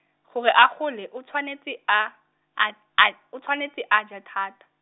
gore a gole o tshwanetse a, a a, o tshwanetse a ja thata.